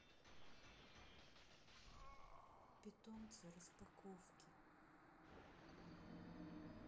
питомцы распаковки